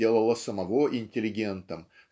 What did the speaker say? сделала самого интеллигентом